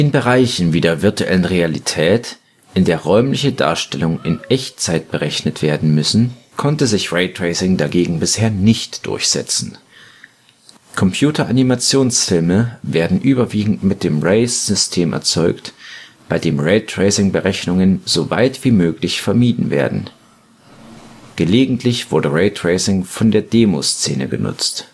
Bereichen wie der Virtuellen Realität, in der räumliche Darstellungen in Echtzeit berechnet werden müssen, konnte sich Raytracing daher bisher nicht durchsetzen. Computeranimationsfilme werden überwiegend mit dem REYES-System erzeugt, bei dem Raytracing-Berechnungen so weit wie möglich vermieden werden. Gelegentlich wurde Raytracing von der Demoszene genutzt